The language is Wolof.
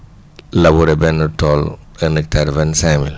labouré benn tool un hectare vingt cinq mille